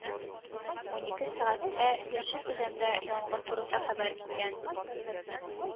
Унике сәгатьтә яшел үзәндә янгын турында хәбәр килгән